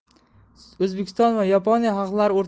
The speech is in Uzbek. o'zbekiston va yaponiya xalqlari